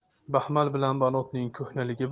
baxmal bilan banotning ko'hnaligi